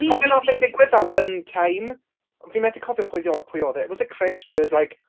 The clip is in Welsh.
Ti'n cofio be wnaeth ddigwydd that one time? Fi methu cofio pwy o- pwy odd e, it was it Chris, when he was like...